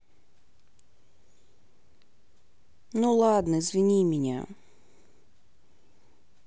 ну ладно извини меня